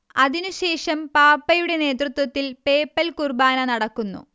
അതിനുശേഷം പാപ്പയുടെ നേതൃത്വത്തിൽ പേപ്പൽ കുർബാന നടക്കുന്നു